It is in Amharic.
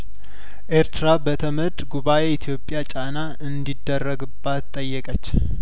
ኤርትራ በተመድ ጉባኤ ኢትዮጵያ ጫና እንዲደረግባት ጠየቅች